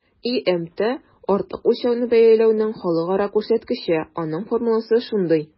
ИМТ - артык үлчәүне бәяләүнең халыкара күрсәткече, аның формуласы шундый: